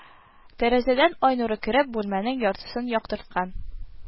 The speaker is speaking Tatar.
Тәрәзәдән ай нуры кереп, бүлмәнең яртысын яктырткан